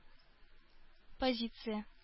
Позиция